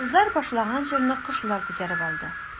Кызлар башлаган җырны кошлар күтәреп ала.